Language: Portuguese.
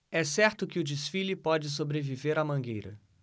é certo que o desfile pode sobreviver à mangueira